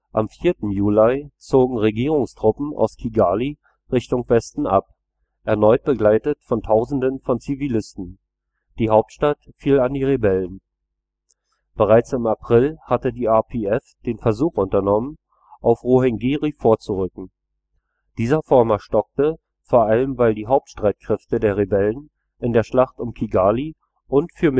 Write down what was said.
Am 4. Juli zogen die Regierungstruppen aus Kigali Richtung Westen ab, erneut begleitet von Tausenden von Zivilisten, die Hauptstadt fiel an die Rebellen. Bereits im April hatte die RPF den Versuch unternommen, auf Ruhengeri vorzurücken. Dieser Vormarsch stockte, vor allem weil die Hauptstreitkräfte der Rebellen in der Schlacht um Kigali und für